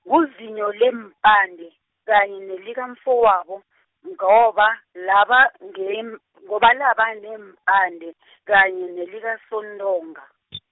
nguzinyo leempande, kanye nelikamfowabo, ngoba, laba ngem- ngoba laba neempande , kanye nelikaSontonga .